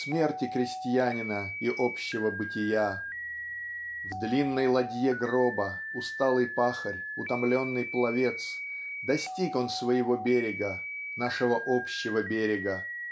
смерти крестьянина и общего бытия. В длинной ладье гроба усталый пахарь утомленный пловец достиг он своего берега нашего общего берега